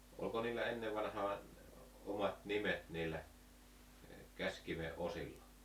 oliko niillä ennen vanhaan omat nimet niillä käsikiven osilla